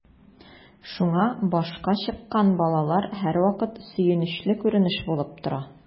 Шуңа “башка чыккан” балалар һәрвакыт сөенечле күренеш булып тора.